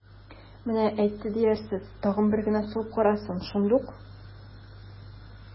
Менә әйтте диярсез, тагын бер генә сугып карасын, шундук...